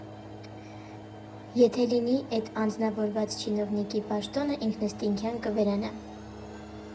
Եթե լինի, էդ անձնավորված չինովնիկի պաշտոնը ինքնըստինքյան կվերանա։